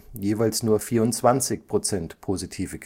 jeweils nur 24 Prozent positive